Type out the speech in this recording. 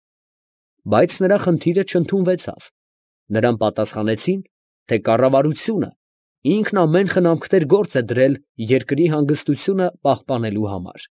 Բայց նրա խնդիրը չընդունվեցավ, նրան պատասխանեցին, թե «կառավարությունը ինքն ամեն խնամքներ գործ է դրել երկրի հանգստությունը պահպանելու համար»։